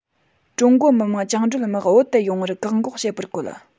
ཀྲུང གོ མི དམངས བཅིངས འགྲོལ དམག བོད དུ ཡོང བར བཀག འགོག བྱེད པར བཀོལ